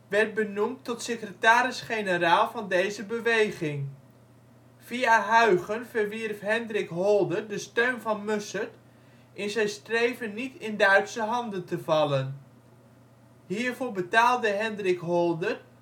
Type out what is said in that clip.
werd benoemd tot secretaris-generaal van deze beweging. Via Huygen verwierf Hendrik Holdert de steun van Mussert in zijn streven niet in Duitse handen te vallen. Hiervoor betaalde Hendrik Holdert